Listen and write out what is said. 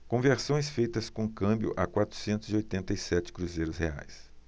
conversões feitas com câmbio a quatrocentos e oitenta e sete cruzeiros reais